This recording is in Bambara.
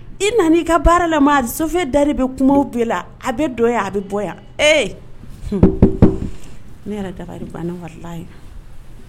I nan'i ka baara la maa d sɔfɛ e da de bɛ kumaw bɛɛ la a bɛ don yan a bɛ bɔ yan ee hun ne yɛrɛ dabari bana walahi